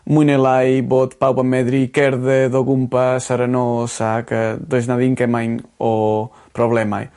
mwy ne' lai bod pawb yn meddru cerddedd o gwmpas ar y nos ag yy does 'na ddim gymain o problemau.